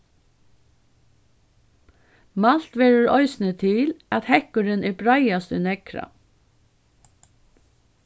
mælt verður eisini til at hekkurin er breiðast í neðra